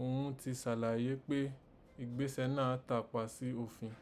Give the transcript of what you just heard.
òghun ó ti sàlàyé kpé ìgbésẹ̀ náà takpa sí òfin